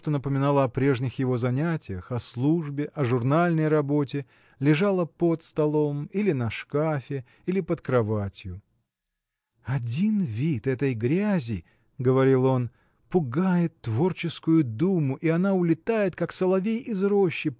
что напоминало о прежних его занятиях о службе о журнальной работе лежало под столом или на шкафе или под кроватью. Один вид этой грязи – говорил он – пугает творческую думу и она улетает как соловей из рощи